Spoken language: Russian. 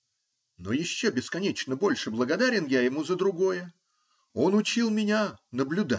Но еще бесконечно больше благодарен я ему за другое: он учил меня наблюдать.